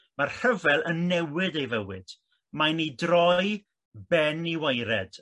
ma'r rhyfel yn newid ei fywyd mae'n i droi ben i waered